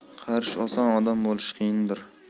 qarish oson odam bo'lish qiyindir